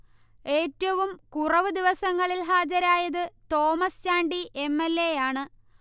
ഏറ്റവും കുറവ് ദിവസങ്ങളിൽ ഹാജരായത് Thomas Chandy M. L. A. യാണ്